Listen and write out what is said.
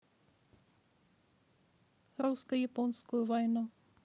русско японскую войну